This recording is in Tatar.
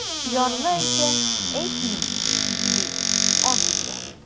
Ярлы әйтә: - әйтмим, - ди, ант итә.